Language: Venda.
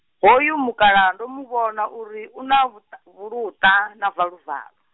hoyo mukalaha ndo mu vhona uri u na, vhut-, vhuluṱa na valuvalu.